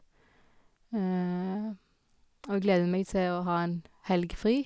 Og jeg gleder meg til å ha en helg fri.